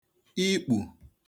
ikpù